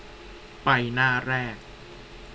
ไปหน้าแรก